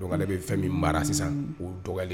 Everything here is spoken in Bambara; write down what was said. Dɔgɔ bɛ fɛn min mara sisan o dɔgɔ